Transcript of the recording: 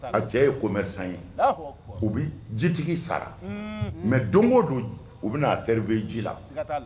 A cɛ ye kome ye u bɛ jitigi sara mɛ don don u bɛ na a seri v ji la